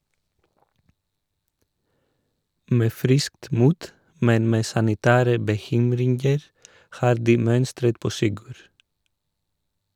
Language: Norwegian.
Med friskt mot, men med sanitære bekymringer, har de mønstret på "Sigurd".